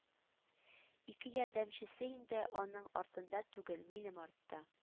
Ике ярдәмчесе инде аның артында түгел, минем артта